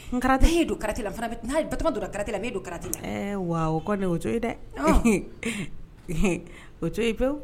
Karatatɛe don karata la fana' badɔ don karatala don karata wa o ko o to ye dɛ oto ye pewu